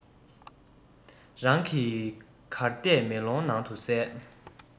རང གིས གར བལྟས མེ ལོང ནང དུ གསལ